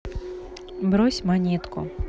брось монетку